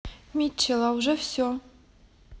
митчелл а уже все